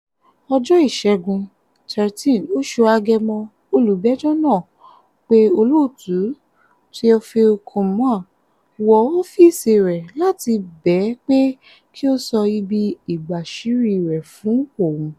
Ọjọ́ Ìṣẹ́gun, 13 oṣù Agẹmọ, olùgbẹ́jọ́ náà pe olóòtú Théophile Kouamouo wọ ọ́fíìsì rẹ̀ láti bẹ́ ẹ̀ pé kí ó sọ ibi ìgbàṣírí rẹ̀ fún òun.